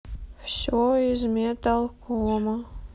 все из металлкома